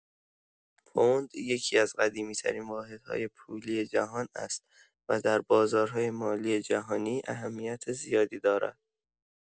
پوند یکی‌از قدیمی‌ترین واحدهای پولی جهان است و در بازارهای مالی جهانی اهمیت زیادی دارد.